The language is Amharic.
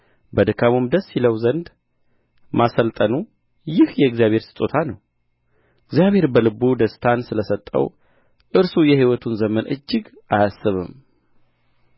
በድካሙም ደስ ይለው ዘንድ ማሠልጠኑ ይህ የእግዚአብሔር ስጦታ ነው እግዚአብሔር በልቡ ደስታን ስለ ሰጠው እርሱ የሕይወቱን ዘመን እጅግ አያስብም